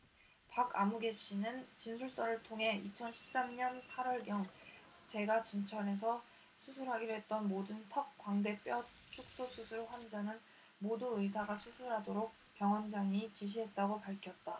박아무개씨는 진술서를 통해 이천 십 삼 년 팔 월경 제가 진찰해서 수술하기로 했던 모든 턱광대뼈축소수술 환자는 모두 의사 과 가 수술하도록 병원장이 지시했다고 밝혔다